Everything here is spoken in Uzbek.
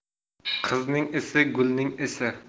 qizning isi gulning isi